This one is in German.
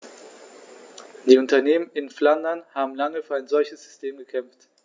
Die Unternehmen in Flandern haben lange für ein solches System gekämpft.